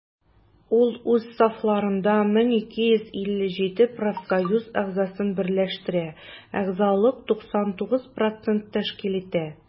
Ул үз сафларында 1257 профсоюз әгъзасын берләштерә, әгъзалык 99 % тәшкил итә.